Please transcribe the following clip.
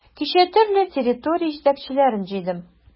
Кичә төрле территория җитәкчеләрен җыйдым.